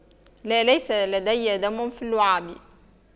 لا ليس لدي دم في اللعاب